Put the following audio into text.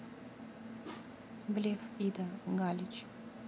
блеф ида галич